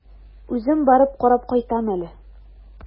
Үзем барып карап кайтам әле.